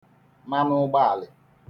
manụụgbaalị̀